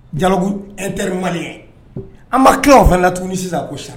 Dialogue inter malien an ma tila o fana na tugunni sisan ko sa